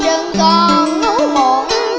còn ngủ muộn